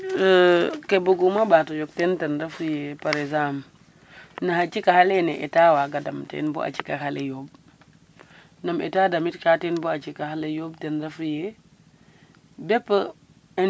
Ke buguma ɓato yok teen ten refu ye par exemple na xa cikax alene Etat waaga dam teen bo a cikaxa le yoɓ nam Etat damitka ten bo a cikax ale yooɓ ten refu yee